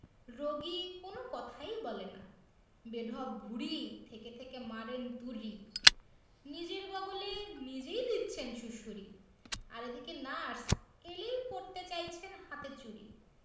রোগী কোন কথাই বলে না বেঢপ ভূঁড়ি থেকে থেকে মারেন তুড়ি নিজের বগলে নিজেই দিচ্ছেন সুড়সুড়ি আর এদিকে নার্স এলেই পরতে চাইছেন হাতে চুড়ি